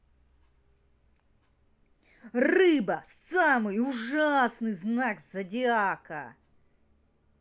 рыба самый ужасный знак зодиака